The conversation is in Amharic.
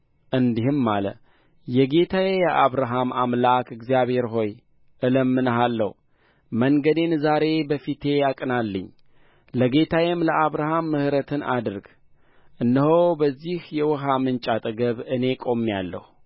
እንዲህም አለ የጌታዬ የአብርሃም አምላክ እግዚአብሔር ሆይ እለምንሃለሁ መንገዴን ዛሬ በፊቴ አቅናልኝ ለጌታዬም ለአብርሃም ምሕረትን አድርግ እነሆ በዚህ የውኃ ምንጭ አጠገብ እኔ ቆሜአለሁ